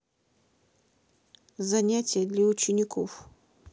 занятия для учеников